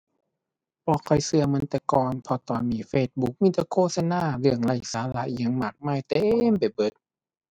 บ่ค่อยเชื่อเหมือนแต่ก่อน เพราะตอนนี้ Facebook มีแต่โฆษณา เรื่องไร้สาระ อิหยังมากมาย เต็มไปเบิด